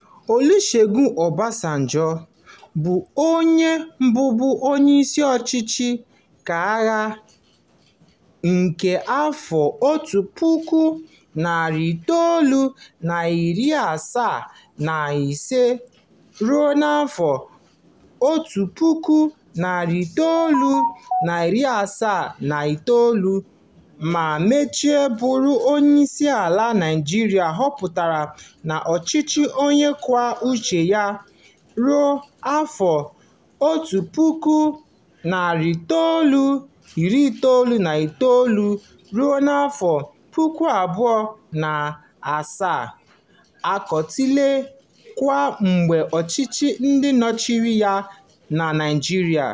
Olusegun Obasanjo, onye bụbu onyeisi ọchịchị keagha (1976-1979) ma mechaa bụrụ onyeisiala Naịjirịa họpụtara n'ọchịchị onye kwuo uche ya (1999-2007), akatọọla kwa mgbe ọchịchị ndị nọchiri anya na Naịjirịa.